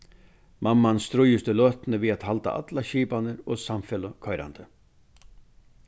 mamman stríðist í løtuni við at halda allar skipanir og samfeløg koyrandi